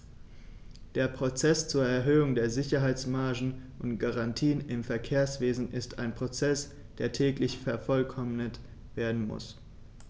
Der Prozess zur Erhöhung der Sicherheitsmargen und -garantien im Verkehrswesen ist ein Prozess, der täglich vervollkommnet werden muss.